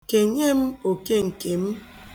Kenye m oke nke m.